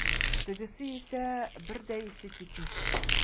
Тегесе исә, бер дә исе китмичә.